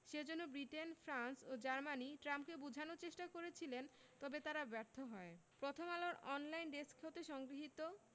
সে জন্য Britain France ও Germany ট্রাম্পকে বোঝানোর চেষ্টা করছিলেন তবে তারা ব্যর্থ হয় প্রথমআলোর অনলাইন ডেস্ক হতে সংগৃহীত